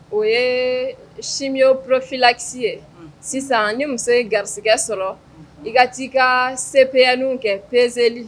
O ye siye porofila kisisi ye sisan ni muso ye garisɛgɛ sɔrɔ i ka ci i ka se peyni kɛ pezeeli